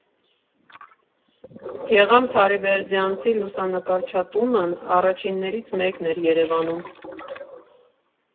Գեղամ Թարիվերդյանցի լուսանկարչատունն առաջիններից մեկն էր Երևանում։